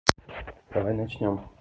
давай начнем